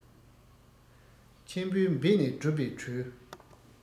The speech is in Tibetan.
ཆེན པོས འབད ནས བསྒྲུབས པའི གྲོས